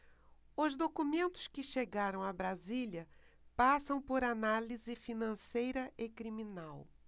os documentos que chegaram a brasília passam por análise financeira e criminal